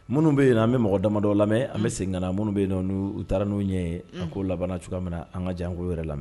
Minnu bɛ yen an bɛ mɔgɔ dama dɔw lamɛn an bɛ segin minnu bɛ yen n' u taara n'u ɲɛ a' labanana cogoya min na an ka jan an k' yɛrɛ la